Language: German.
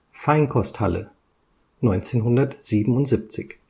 Feinkosthalle, 1977